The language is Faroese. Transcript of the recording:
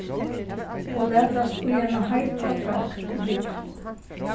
og latast í eina heita drakt og húgvu